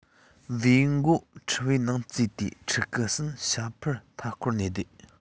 བེའུ མགོ ཕྲུ བའི ནང བཙོ དུས ཕྲུ གུ གསུམ ཤ ཕྲུར མཐའ སྐོར ནས བསྡད